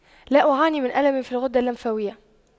لا أعاني من ألم في الغدة اللمفاوية